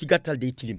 ci gàttal day tilim